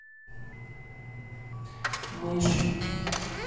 мышь